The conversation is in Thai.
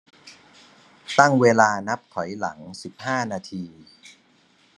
ตั้งเวลานับถอยหลังสิบห้านาที